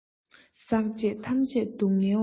ཟག བཅས ཐམས ཅད སྡུག བསྔལ བ